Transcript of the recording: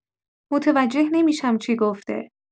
متوجه نمی‌شم چی گفته؟